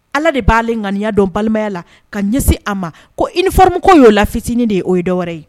Ala de b'aale ŋaniya dɔn balimaya la ka ɲɛse a ma ko i nifam y'o fitinin de ye'o ye dɔwɛrɛ ye